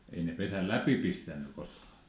ei ne pesän läpi pistänyt koskaan